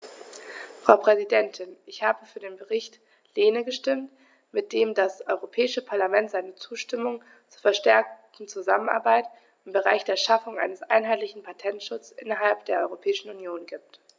Frau Präsidentin, ich habe für den Bericht Lehne gestimmt, mit dem das Europäische Parlament seine Zustimmung zur verstärkten Zusammenarbeit im Bereich der Schaffung eines einheitlichen Patentschutzes innerhalb der Europäischen Union gibt.